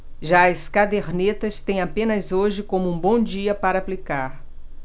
já as cadernetas têm apenas hoje como um bom dia para aplicar